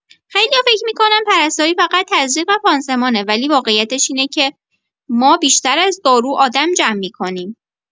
خیلیا فکر می‌کنن پرستاری فقط تزریق و پانسمانه، ولی واقعیتش اینه که ما بیشتر از دارو، آدم جمع می‌کنیم.